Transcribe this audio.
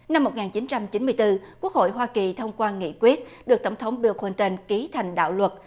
năm một ngàn chín trăm chín mươi tư quốc hội hoa kỳ thông qua nghị quyết được tổng thống biu con tin kí thành đạo luật